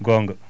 goonga